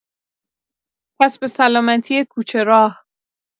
پس به سلامتی «کوچه‌راه».